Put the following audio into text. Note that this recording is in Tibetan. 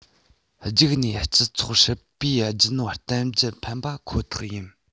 རྒྱུགས ནས སྤྱི ཚོགས ཧྲིལ པོའི རྒྱུ ནོར གཏམ རྒྱུད ཕམ པ ཁོ ཐག ཡིན